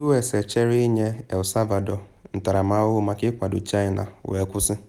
U.S. Echere Ịnye El Salvador Ntaramahụhụ Maka Ịkwado China, Wee Kwụsị